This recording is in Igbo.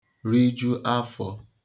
riju afọ